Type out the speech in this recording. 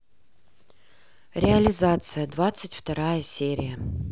реализация двадцать вторая серия